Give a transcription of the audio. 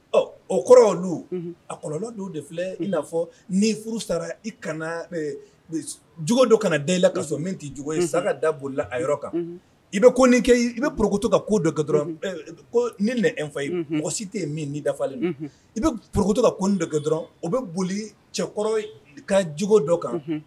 Ɔ o kɔrɔ a kɔlɔ don de filɛ i'afɔ ni furu sara i kana jugu dɔ kana dala ka sɔrɔ min tɛ ju ye sa ka da bolila a yɔrɔ kan i bɛ ko kɛ i bɛ p ka ko dɔrɔn ni n fa ye mɔgɔ si tɛ yen min ni dafalen i bɛ ptu ka ko dɔrɔn o bɛ boli cɛkɔrɔ ka jugu dɔ kan